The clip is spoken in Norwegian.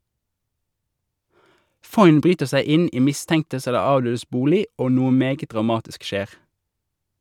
Foyn bryter seg inn i mistenktes eller avdødes bolig og noe meget dramatisk skjer.